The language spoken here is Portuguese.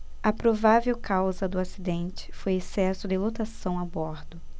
a provável causa do acidente foi excesso de lotação a bordo